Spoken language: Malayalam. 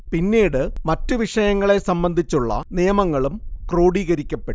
പിന്നീട് മറ്റു വിഷയങ്ങളെ സംബന്ധിച്ചുള്ള നിയമങ്ങളും ക്രോഡീകരിക്കപ്പെട്ടു